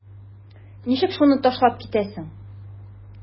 Ничек шуны ташлап китәсең?